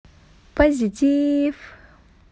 positive